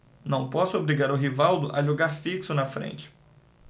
não posso obrigar o rivaldo a jogar fixo na frente